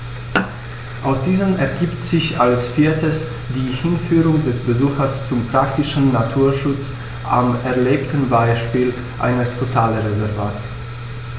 Aus diesen ergibt sich als viertes die Hinführung des Besuchers zum praktischen Naturschutz am erlebten Beispiel eines Totalreservats.